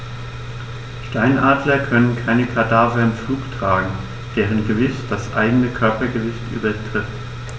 Steinadler können keine Kadaver im Flug tragen, deren Gewicht das eigene Körpergewicht übertrifft.